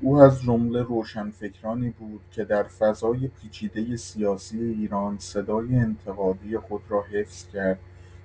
او از جمله روشنفکرانی بود که در فضای پیچیده سیاسی ایران صدای انتقادی خود را حفظ کرد